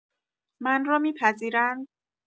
من را می‌پذیرند؟